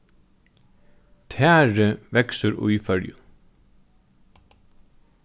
tari veksur í føroyum